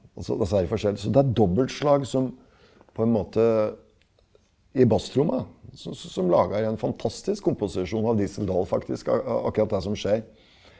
også så er det forskjell så det er dobbeltslag som på en måte i basstromma som lager en fantastisk komposisjon av Diesel Dahl faktisk akkurat det som skjer.